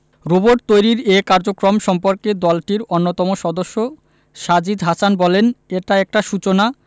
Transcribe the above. robot তৈরির এ কার্যক্রম সম্পর্কে দলটির অন্যতম সদস্য সাজিদ হাসান বলেন এটা একটা সূচনা